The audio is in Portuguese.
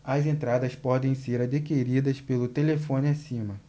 as entradas podem ser adquiridas pelo telefone acima